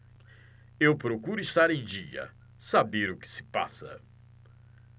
eu procuro estar em dia saber o que se passa